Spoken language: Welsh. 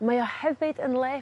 Mae o hefyd yn le